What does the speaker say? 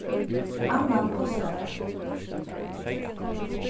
annan páskadag